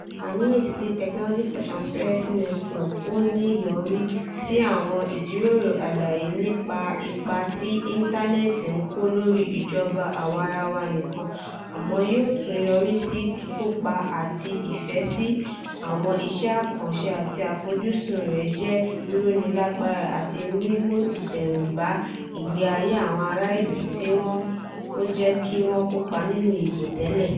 A nírètí pé Technology for Transparency Network ò ní yọrí sí àwọn ìjíròrò alálàyé nípa ipa tí Íńtánẹ́ẹ̀tì ń kó lórí ìjọba àwarawa nìkan, àmọ́ yóò tún yọrí sí kíkópa àti ìfẹ́ sí àwọn iṣẹ́ àkànṣe tí àfojúsùn rẹ̀ jẹ̀ rírónilágbára àti mímú ìdẹ̀rùn bá ìgbé ayé àwọn ará ìlú tí wọn tí wọn ò jẹ́ kí wọn kópa nínú ìbò tẹ́lẹ̀.